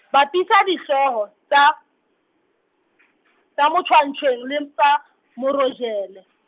bapisa dihlooho tsa tsa Mocoancoeng le tsa Morojele.